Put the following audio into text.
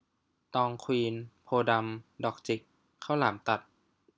ตองควีนโพธิ์ดำดอกจิกข้าวหลามตัด